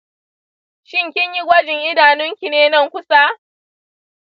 shin kinyi gwajin idanunki ne nan kusa?